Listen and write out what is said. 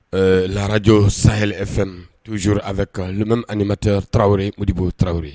Ɛɛ la radio sahel FM toujours avec le même animateur tarawele Modibo tarawele.